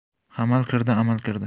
hamal kirdi amal kirdi